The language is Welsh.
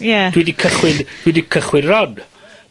...ie. Dwi 'di cychwyn, dwi 'di cychwyn 'r 'on.